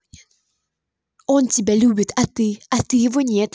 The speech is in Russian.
он тебя любит а ты а ты его нет